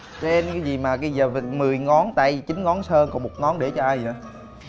tren cái gì mà cái giờ mười ngón tay chín ngón sơn còn một ngón để cho ai dợ